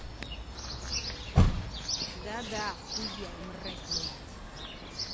да да охуела мразь блядь